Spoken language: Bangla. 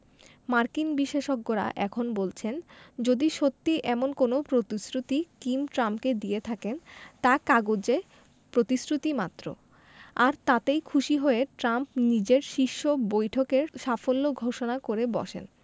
মার্কিন বিশেষজ্ঞেরা এখন বলছেন যদি সত্যি এমন কোনো প্রতিশ্রুতি কিম ট্রাম্পকে দিয়ে থাকেন তা কাগুজে প্রতিশ্রুতিমাত্র আর তাতেই খুশি হয়ে ট্রাম্প নিজের শীর্ষ বৈঠকের সাফল্য ঘোষণা করে বসেন